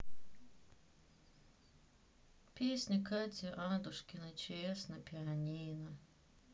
песня кати адушкиной чс на пианино